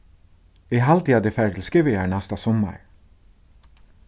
eg haldi at eg fari til skúvoyar næsta summar